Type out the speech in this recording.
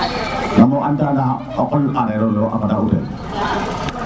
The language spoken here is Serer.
namo an ta ndaxa xol arera wo a fada utel